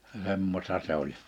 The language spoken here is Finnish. semmoista se oli